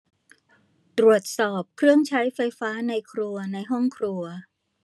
ตรวจสอบเครื่องใช้ไฟฟ้าในครัวในห้องครัว